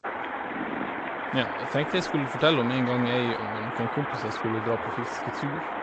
Ja, jeg tenkte jeg skulle fortelle om en gang jeg og noen kompiser skulle dra på fisketur.